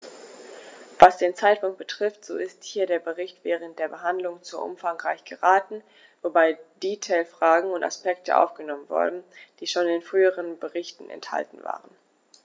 Was den Zeitpunkt betrifft, so ist hier der Bericht während der Behandlung zu umfangreich geraten, wobei Detailfragen und Aspekte aufgenommen wurden, die schon in früheren Berichten enthalten waren.